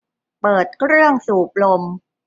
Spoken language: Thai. เปิดเครื่องสูบลม